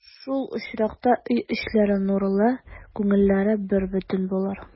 Шул очракта өй эчләре нурлы, күңелләре бербөтен булыр.